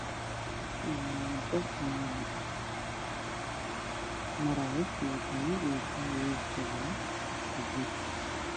Waa wado laami ah maraayo mootooyin mootada midabkeedu waa gaduud